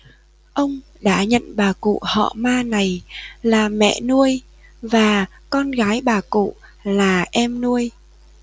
ông đã nhận bà cụ họ ma này là mẹ nuôi và con gái bà cụ là em nuôi